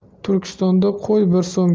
turkistonda qo'y bir so'm